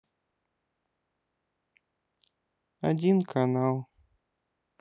один канал